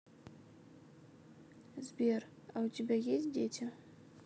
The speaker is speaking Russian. сбер а у тебя есть дети